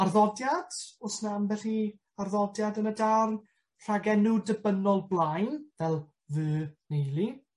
Arddodiad? O's 'na ambell i arddodiad yn y darn? Rhag enw dibynnol blaen fel fy neuli?